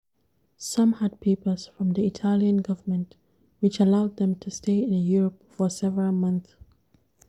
Some had papers from the Italian government which allowed them to stay in Europe for several months.